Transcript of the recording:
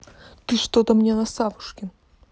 ты что то мне на савушкин